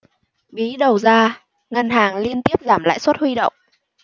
bí đầu ra ngân hàng liên tiếp giảm lãi suất huy động